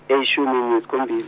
eyishumi nesikhombil-.